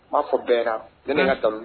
N b'a fɔ bɛɛ ne nana ka daminɛ